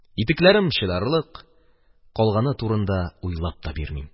Итекләрем чыдарлык, калганы турында уйлап та бирмим.